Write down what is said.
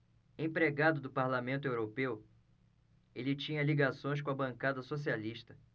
empregado do parlamento europeu ele tinha ligações com a bancada socialista